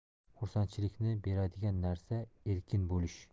xursandchilikni beradigan narsa erkin bo'lish